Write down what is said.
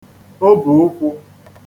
obùụkwụ̄